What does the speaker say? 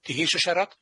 'Di hi sho siarad?